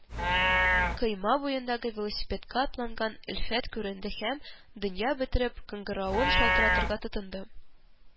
Койма буенда велосипедка атланган Өлфәт күренде һәм, дөнья бетереп, кыңгыравын шалтыратырга тотынды